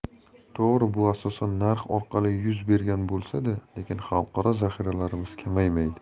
to'g'ri bu asosan narx orqali yuz bergan bo'lsa da lekin xalqaro zaxiralarimiz kamaymadi